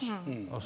ja.